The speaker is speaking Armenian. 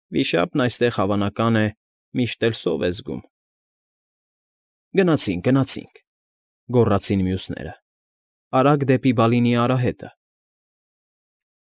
Վիշապն այստեղ, հավանական է, միշտ էլ սով է զգում։ ֊ Գնացինք, գնացինք,֊ գոռացին մյուսները։֊ Արագ դեպի Բալինի արահետը։